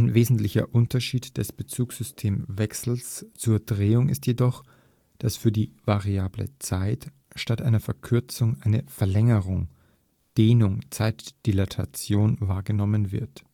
wesentlicher Unterschied des Bezugssystemwechsels zur Drehung ist jedoch, dass für die Variable „ Zeit “statt einer Verkürzung eine Verlängerung (Dehnung: Zeitdilatation) wahrgenommen wird